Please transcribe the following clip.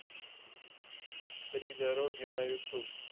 три дороги на ютуб